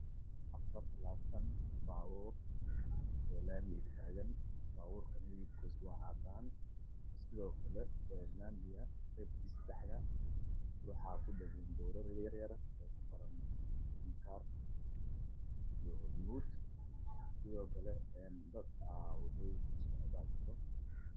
Waa baabuur oo laamiga dhexeysa taagan oo buurta midabkooda waa madow sidoo kale laamiga bartankiisa waxaa ku dhagan waraaqada yaryar oo madow yacdaan iska jir ah